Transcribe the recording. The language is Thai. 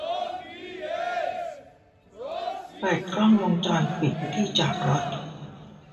เปิดกล้องวงจรปิดที่จอดรถ